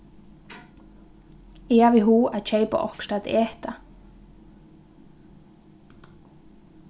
eg havi hug at keypa okkurt at eta